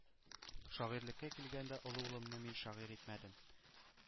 Шагыйрьлеккә килгәндә, олы улымны мин шагыйрь итмәдем.